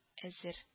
Әзер